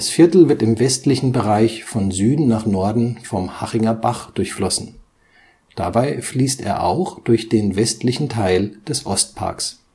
Viertel wird im westlichen Bereich von Süden nach Norden vom Hachinger Bach durchflossen; dabei fließt er auch durch den westlichen Teil des Ostparks